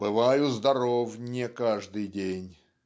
"Бываю здоров не каждый день".